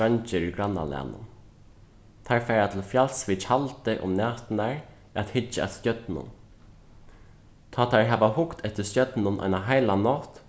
dreingir í grannalagnum teir fara til fjals við tjaldi um næturnar at hyggja at stjørnum tá teir hava hugt eftir stjørnunum eina heila nátt